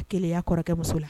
Kelenya kɔrɔkɛ muso la